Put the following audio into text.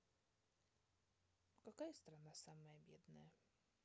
какая страна самая бедная